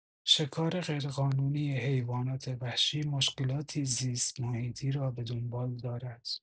شکار غیرقانونی حیوانات وحشی مشکلاتی زیست‌محیطی را به دنبال دارد.